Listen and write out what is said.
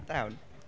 Da iawn.